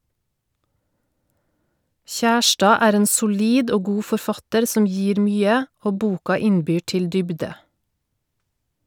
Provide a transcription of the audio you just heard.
Kjærstad er en solid og god forfatter som gir mye, og boka innbyr til dybde.